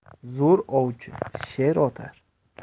zo'r ovchi sher otar